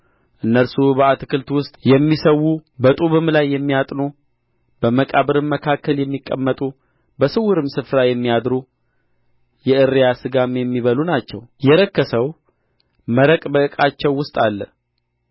እነርሱ በአትክልት ውስጥ የሚሠዉ በጡብም ላይ የሚያጥኑ በመቃብርም መካከል የሚቀመጡ በስውርም ስፍራ የሚያድሩ የእሪያ ሥጋም የሚበሉ ናቸው የረከሰው መረቅ በዕቃቸው ውስጥ አለ